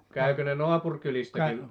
kävikö ne naapurikylistäkin